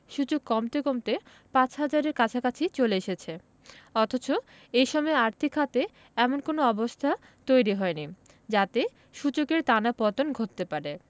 সূচক কমতে কমতে ৫ হাজারের কাছাকাছি চলে এসেছে অথচ এ সময়ে আর্থিক খাতে এমন কোনো অবস্থা তৈরি হয়নি যাতে সূচকের টানা পতন ঘটতে পারে